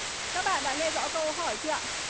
các bạn đã nghe rõ câu hỏi chưa ạ